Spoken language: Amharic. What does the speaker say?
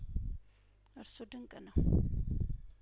እርሱ ድንቅ ነው